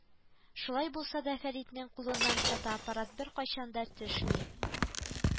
Шулай булса да Фәритнең кулыннан фотоаппарат беркайчан да төшми